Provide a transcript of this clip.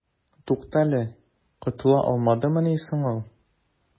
Туктале, котыла алдымыни соң ул?